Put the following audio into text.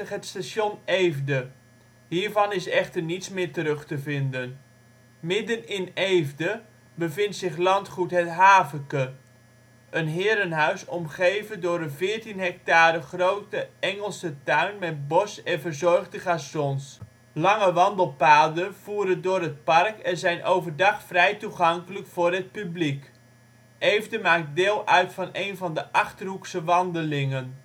het Station Eefde. Hiervan is echter niets meer terug te vinden. Midden in Eefde bevindt zich Landgoed het Haveke: een herenhuis omgeven door een 14 hectare grote Engelse tuin met bos en verzorgde gazons. Lange wandelpaden voeren door het park en zijn overdag vrij toegankelijk voor het publiek. Eefde maakt deel uit van een van de Achterhoekse Wandelingen